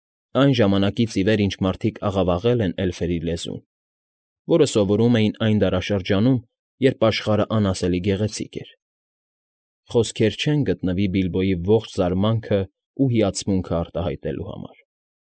Այն ժամանակից ի վեր, ինչ մարդիկ աղավաղել են էլֆերի լեզուն, որ սովորում էին այն դարաշրջանում, երբ աշխարհն անասելի գեղեցիկ էր, խոսքեր չեն գտվնի Բիլբոյի ողջ զարմանքն ու հիացմունքը արտահայտելու համար։